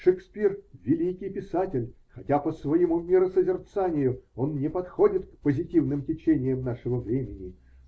Шекспир -- великий писатель (хотя по своему миросозерцанию он не подходит к позитивным течениям нашего времени).